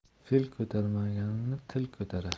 fil ko'tarmaganni til ko'tarar